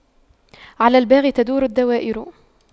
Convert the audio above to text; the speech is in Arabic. على الباغي تدور الدوائر